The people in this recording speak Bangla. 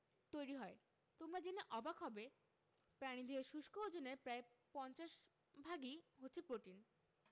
তৈরি হয় তোমরা জেনে অবাক হবে প্রাণীদেহের শুষ্ক ওজনের প্রায় ৫০ ভাগই হচ্ছে প্রোটিন